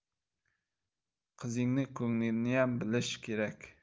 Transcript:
qizingni ko'ngliniyam bilish kerak